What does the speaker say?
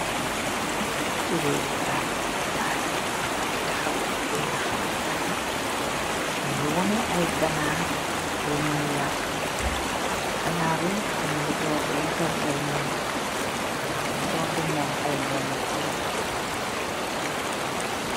Jiti rewi Gambia Adama Barrow mungi tahawak bena haleh bu gorr, nyungi waneh aiy ganarr, yu nyoi yarr, ganarr yi, nyungi dorr di rotal aiy nen, nyungi dorr di nen aiy nen yu weakh.